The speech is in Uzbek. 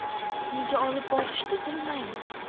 nega olib borishdi bilmayman